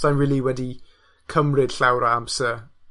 Sai'n rili wedi cymryd llawer o amser